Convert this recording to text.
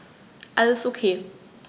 Alles OK.